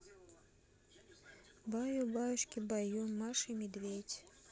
баю баюшки баю маша и медведь